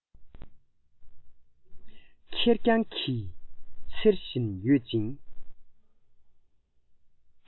ཁེར རྐྱང གིས འཚེར བཞིན ཡོད ཅིང